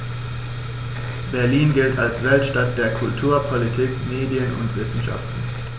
Berlin gilt als Weltstadt der Kultur, Politik, Medien und Wissenschaften.